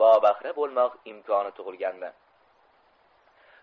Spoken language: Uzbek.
bobahra bo'lmoq imkoni tug'ilgandi